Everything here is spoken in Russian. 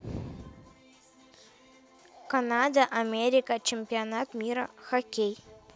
канада америка чемпионат мира хоккей